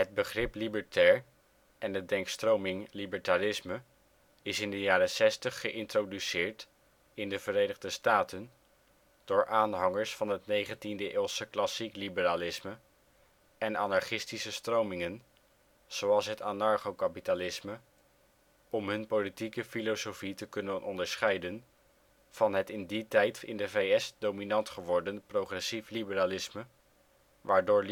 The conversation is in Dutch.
begrip Libertair en de denkstroming libertarisme is in de jaren zestig geïntroduceerd in de Verenigde Staten door aanhangers van het 19e eeuwse klassiek liberalisme en anarchistische stromingen zoals het anarchokapitalisme, om hun politieke filosofie te kunnen onderscheiden van het in die tijd in de VS dominant geworden Progressief liberalisme, waardoor